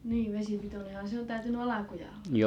niin vesipitoinenhan se on täytynyt alkujaan olla